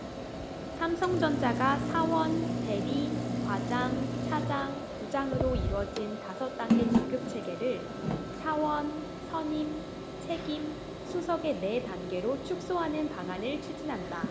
삼성전자가 사원 대리 과장 차장 부장으로 이뤄진 다섯 단계 직급체계를 사원 선임 책임 수석의 네 단계로 축소하는 방안을 추진한다